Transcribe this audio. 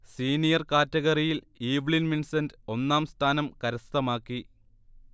senior കാറ്റഗറിയിൽ Evelyn Vincent ഒന്നാം സ്ഥാനം കരസ്ഥമാക്കി